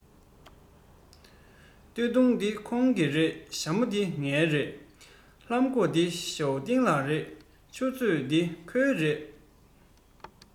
སྟོད ཐུང འདི ཁོང གི རེད ཞྭ མོ འདི ངའི རེད ལྷམ གོག འདི ཞའོ ཏིང གི རེད ཆུ ཚོད འདི ཁོའི རེད